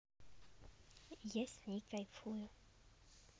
я с ней кайфую